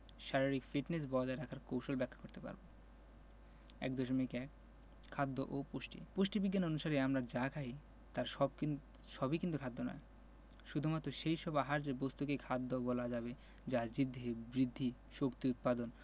শারীরিক ফিটনেস বজায় রাখার কৌশল ব্যাখ্যা করতে পারব ১.১ খাদ্য ও পুষ্টি পুষ্টিবিজ্ঞান অনুসারে আমরা যা খাই তার সবই কিন্তু খাদ্য নয় শুধুমাত্র সেই সব আহার্য বস্তুকেই খাদ্য বলা যাবে যা জীবদেহে বৃদ্ধি শক্তি উৎপাদন